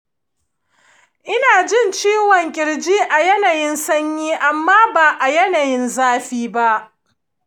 ina jin ciwon ƙirji a yanayin sanyi amma ba a yanayin zafi ba.